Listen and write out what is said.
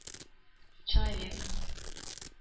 Человек